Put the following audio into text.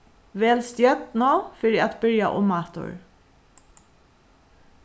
vel stjørnu fyri at byrja umaftur